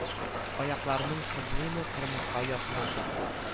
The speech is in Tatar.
Аякларың сызлыймы кырмыска оясына тык